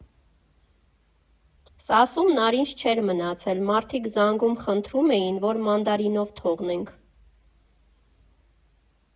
«ՍԱՍ»֊ում նարինջ չէր մնացել, մարդիկ զանգում խնդրում էին, որ մանդարինով թողնենք։